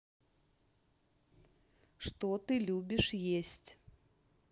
что ты любишь есть